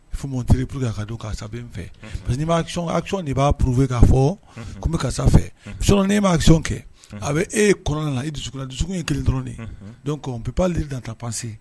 Il faut montrer pour que a ka don ko karisa bɛ fɛ, unhun parce que ni ma action action de b'a prouver ka fɔ, unhun, ko n bɛ karisa fɛ sinon ni e ma action kɛ a bɛ, e kɔnɔna na, i dusukun na, dusukun ye kelen dɔrɔn de ye, unhun, on ne peut lire dans ta pensée